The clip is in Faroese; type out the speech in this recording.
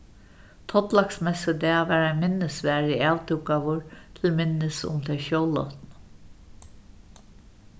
tollaksmessudag varð ein minnisvarði avdúkaður til minnis um tey sjólátnu